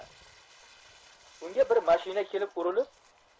unga bir mashina kelib urilib